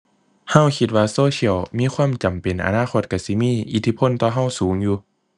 เราคิดว่าโซเชียลมีความจำเป็น อนาคตเราสิมีอิทธิพลต่อเราสูงอยู่